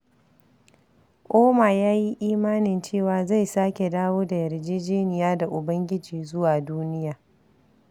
Ouma ya yi imanin cewa, zai sake dawo da yarjejiniya da Ubangiji zuwa duniya.